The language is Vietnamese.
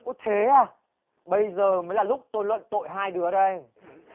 ô thế à bây giờ mới là lúc tôi luận tội hai đứa đây